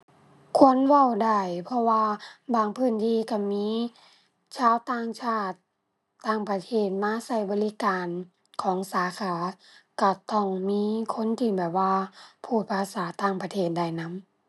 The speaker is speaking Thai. ควรเว้าได้ เพราะว่าบางพื้นที่ก็มีชาวต่างชาติ ต่างประเทศ มาก็บริการของสาขา ก็ต้องมีคนที่แบบว่าพูดภาษาต่างประเทศได้นำ